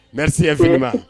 N nba siyɛson ma